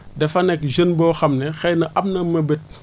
dafa nekk jeune boo xam ne xëy na am na mébét